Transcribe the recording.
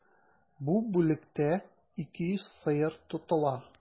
Бу бүлектә 200 сыер тотыла.